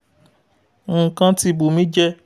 nkan ti bù mí jẹ!'